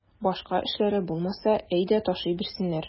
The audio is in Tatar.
Башка эшләре булмаса, әйдә ташый бирсеннәр.